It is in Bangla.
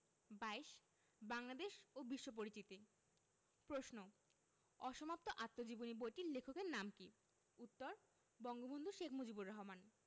২২ বাংলাদেশ ও বিশ্ব পরিচিতি প্রশ্ন অসমাপ্ত আত্মজীবনী বইটির লেখকের নাম কী উত্তর বঙ্গবন্ধু শেখ মুজিবুর রহমান